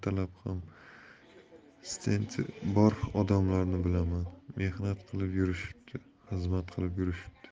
bilaman mehnat qilib yurishibdi xizmat qilib yurishibdi